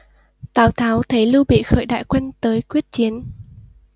tào tháo thấy lưu bị khởi đại quân tới quyết chiến